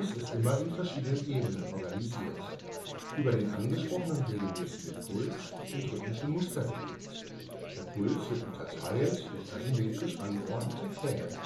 ist immer in verschiedenen Ebenen organisiert: Über den angesprochenen regelmäßigen Puls sind rhythmische Muster gelegt – der Puls wird unterteilt durch asymmetrisch angeordnete Klänge